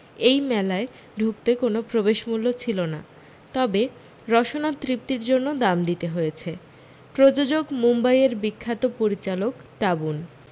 এই মেলায় ঢুকতে কোনও প্রবেশমূল্য ছিল না তবে রসনা তৃপ্তির জন্য দাম দিতে হয়েছে প্রযোজক মুম্বাইয়ের বিখ্যাত পরিচালক টাবুন